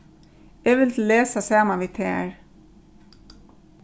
eg vildi lesa saman við tær